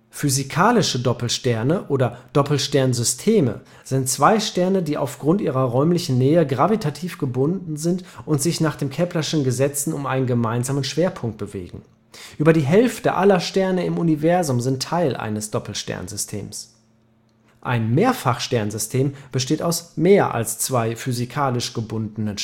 Physikalische Doppelsterne oder Doppelsternsysteme sind zwei Sterne, die aufgrund ihrer räumlichen Nähe gravitativ gebunden sind und sich nach den Kepler’ schen Gesetzen um einen gemeinsamen Schwerpunkt bewegen. Über die Hälfte aller Sterne im Universum sind Teil eines Doppelsternsystems. Ein Mehrfachsternsystem besteht aus mehr als zwei physikalisch gebundenen